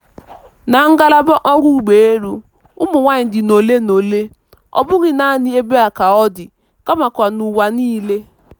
Na ngalaba ọrụ ụgbọelu, ụmụnwaanyị dị ole na ole, ọbụghị naanị ebe a ka ọ dị, kamakwa n'ụwa niile.